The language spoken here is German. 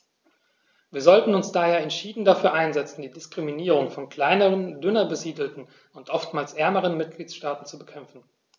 Wir sollten uns daher entschieden dafür einsetzen, die Diskriminierung von kleineren, dünner besiedelten und oftmals ärmeren Mitgliedstaaten zu bekämpfen.